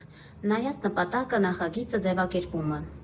Նայած նպատակը, նախագիծը, ձևակերպումը։